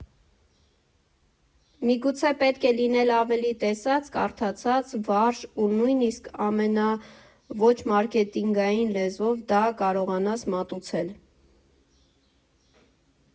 Միգուցե պետք է լինել ավելի տեսած, կարդացած, վարժ, որ նույնիսկ ամենաոչմարքեթինգային լեզվով դա կարողանաս մատուցել։